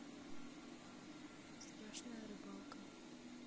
страшная рыбалка